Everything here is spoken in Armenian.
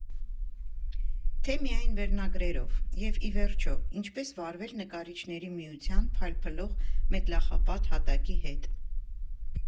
Թե՞ միայն վերնագրերով և, ի վերջո, ինչպե՞ս վարվել Նկարիչների միության փայփլող մետլախապատ հատակի հետ։